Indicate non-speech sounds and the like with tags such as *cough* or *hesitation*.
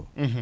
*hesitation* *hesitation*